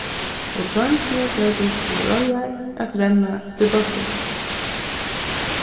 og dreingirnir gjørdust til reiðar at renna eftir bóltinum